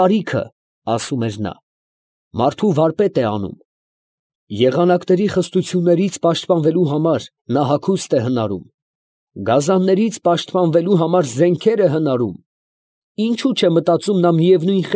Կարիքը, ֊ ասում էր նա, ֊ մարդու վարպետ է անում, եղանակների խստություններից պաշտպանվելու համար նա հագուստ է հնարում, գազաններից պաշտպանվելու համար զենքեր է հնարում, ինչո՞ւ չէ մտածում նա միևնույն։